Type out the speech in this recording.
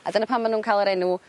A dyna pan ma' nw'n ca'l yr enw